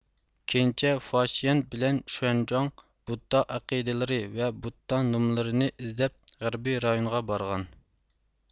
كېيىنچە فاشيەن بىلەن شۇەنجۇاڭ بۇددا ئەقىدىلىرى ۋە بۇددا نۇملىرىنى ئىزدەپ غەربى رايۇنغا بارغان